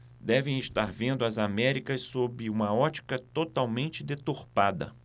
devem estar vendo as américas sob uma ótica totalmente deturpada